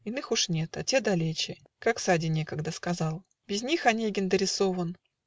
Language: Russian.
Иных уж нет, а те далече, Как Сади некогда сказал. Без них Онегин дорисован.